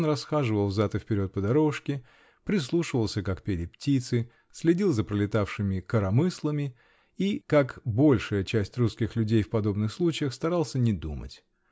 он расхаживал взад и вперед по дорожке, прислушивался, как пели птицы, следил за пролетавшими "коромыслами" и, как большая часть русских людей в подобных случаях, старался не думать.